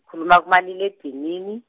khuluma kumaliledinini.